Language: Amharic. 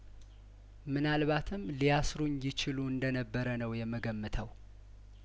ምናልባትም ሊያስሩኝ ይችሉ እንደነበረ ነው የምገምተው